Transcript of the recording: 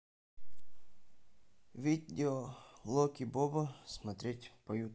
видео локи бобо смотреть по ютубу